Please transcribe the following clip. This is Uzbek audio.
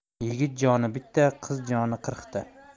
yigit joni bitta qiz joni qirqta